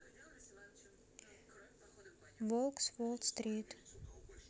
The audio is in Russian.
волк с волт стрит